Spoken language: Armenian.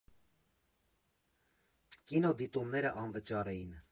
Կինոդիտումները անվճար էին։